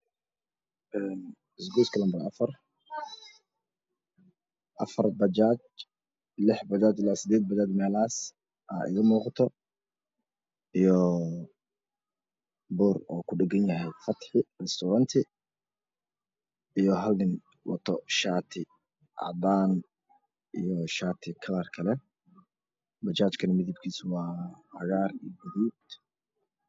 Isgooyska lambar afar, afar bajaaj ilaa sideed melahaas ah ayaa iimuuqdo iyo boor uu ku dhaganyahay fatxi tuwenti iyo halnin wato shaati cadaan iyo shaati kalarkale